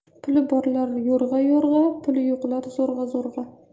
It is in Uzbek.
puli borlar yo'rg'a yo'rg'a pul yo'qlar zo'rg'a zo'rg'a